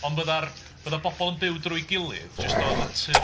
Ond fyddai'r... Fyddai bobl yn byw drwy'i gilydd jyst o natur...